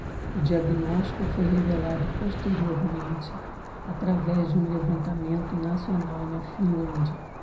o diagnóstico foi revelado posteriormente através de um levantamento nacional na finlândia